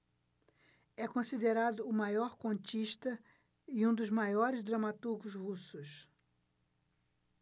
é considerado o maior contista e um dos maiores dramaturgos russos